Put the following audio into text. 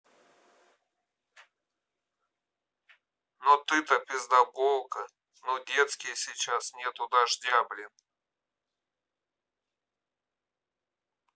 но ты то пиздаболка ну детские сейчас нету дождя блин